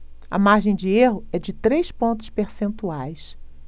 a margem de erro é de três pontos percentuais